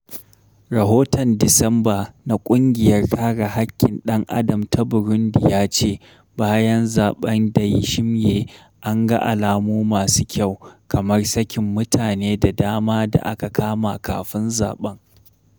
Rahoton Disamba na Ƙungiyar Kare Haƙƙin Dan-Adam ta Burundi ya ce bayan zaɓen Ndayishimye, an ga alamu masu kyau, kamar sakin mutane da dama da aka kama kafin zaɓen.